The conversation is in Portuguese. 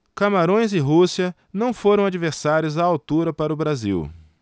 camarões e rússia não foram adversários à altura para o brasil